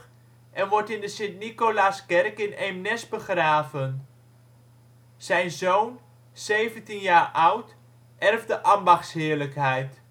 en wordt in de St Nicolaaskerk in Eemnes begraven. Zijn zoon, 17 jaar oud, erft de ambachtsheerlijkheid